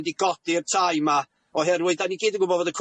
mynd i godi'r tai 'ma oherwydd 'dan ni gyd yn gwbod bod y